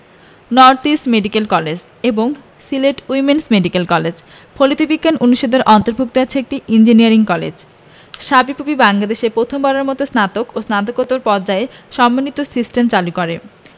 north east medical college এবং Sylhet women's medical college ফলিত বিজ্ঞান অনুষদের অন্তর্ভুক্ত আছে একটি ইঞ্জিনিয়ারিং কলেজ সাবিপ্রবি বাংলাদেশে প্রথম বারের মতো স্নাতক এবং স্নাতকোত্তর পর্যায়ে সম্মানিত সিস্টেম চালু করে